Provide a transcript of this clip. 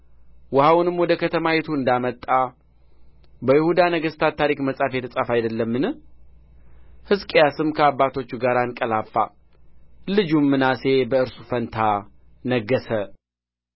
ውኃውንም ወደ ከተማይቱ እንዳመጣ በይሁዳ ነገሥታት ታሪክ መጽሐፍ የተጻፈ አይደለምን ሕዝቅያስም ከአባቶቹ ጋር አንቀላፋ ልጁም ምናሴ በእርሱ ፋንታ ነገሠ